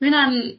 Ma' ynna'n